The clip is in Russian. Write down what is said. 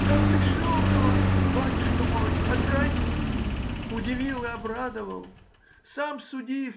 Как пришел-то он, батюшка мой, отрадненький! удивил и обрадовал. Сам суди